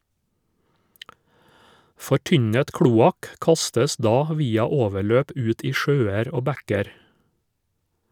Fortynnet kloakk kastes da via overløp ut i sjøer og bekker.